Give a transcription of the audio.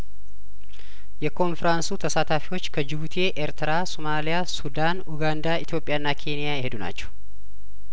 የኮንፍራንሱ ተሳታፊዎች ከጅቡቴ ኤርትራ ሶማሊያ ሱዳን ኡጋንዳ ኢትዮጵያና ኬንያየሄዱ ናቸው